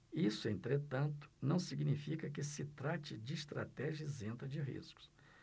isso entretanto não significa que se trate de estratégia isenta de riscos